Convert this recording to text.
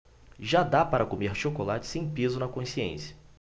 já dá para comer chocolate sem peso na consciência